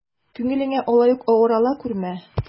Күңелеңә алай ук авыр ала күрмә.